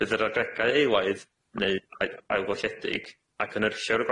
Bydd yr arbedau eilaidd neu ai- ailgolledig a cynhyrchir y